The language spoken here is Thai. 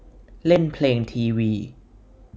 เล่นเพลงทีวี